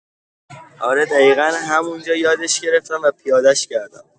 اره دقیقا همونجا یادش گرفتن و پیادش کردن